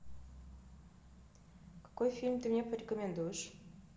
какой фильм ты мне порекомендуешь